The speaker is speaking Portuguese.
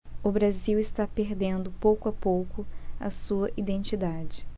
o brasil está perdendo pouco a pouco a sua identidade